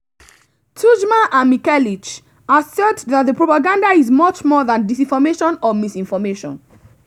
Tudjman and Mikelic assert that propaganda is much more than disinformation or misinformation.